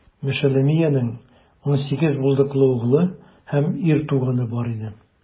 Мешелемиянең унсигез булдыклы углы һәм ир туганы бар иде.